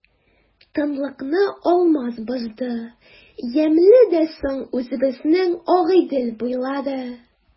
Тынлыкны Алмаз бозды:— Ямьле дә соң үзебезнең Агыйдел буйлары!